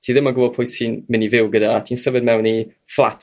ti ddim yn gwy'od pwy i'n mynd i fyw gyda a ti'n symud mewn i fflat